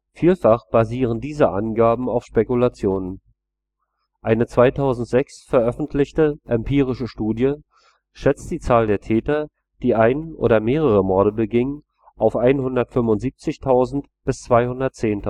Vielfach basieren diese Angaben auf Spekulationen. Eine 2006 veröffentlichte empirische Studie schätzt die Zahl der Täter, die einen oder mehrere Morde begingen, auf 175.000 bis 210.000